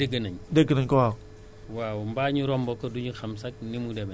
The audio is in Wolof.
non xam nga aussi am na ñoo xam ne xëy na xamuñu ko mais dégg nañ ko